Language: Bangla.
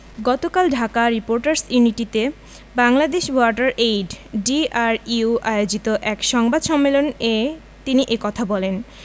গতকাল ঢাকা রিপোর্টার্স ইউনিটিতে বাংলাদেশ ওয়াটার এইড ডিআরইউ আয়োজিত এক সংবাদ সম্মেলন এ তিনি একথা বলেন